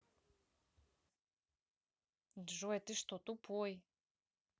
джой ты что тупой